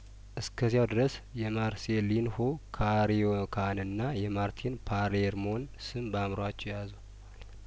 እስከዚያው ድረስ የማርሴ ሊንሆ ካሪዮካንና የማርቲን ፓሌርሞን ስም በአእምሮአችሁ ያዙ